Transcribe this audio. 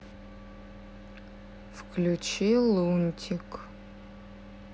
включи лунтик